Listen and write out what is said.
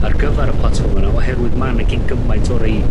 ar gyfar y platfform yna oherwydd ma' 'na cyn gymaint o rei...